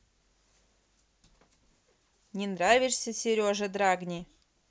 не нравишься сережа драгни